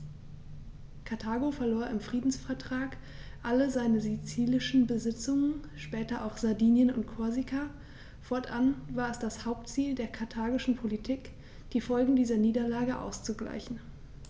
Karthago verlor im Friedensvertrag alle seine sizilischen Besitzungen (später auch Sardinien und Korsika); fortan war es das Hauptziel der karthagischen Politik, die Folgen dieser Niederlage auszugleichen.